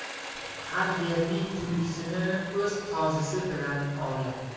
har yerning tulkisini o'z tozisi bilan ovla